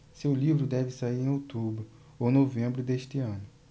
seu livro deve sair em outubro ou novembro deste ano